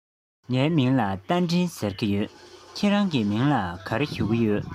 ངའི མིང ལ རྟ མགྲིན ཟེར གྱི ཡོད ཁྱེད རང གི མཚན ལ གང ཞུ གི ཡོད ན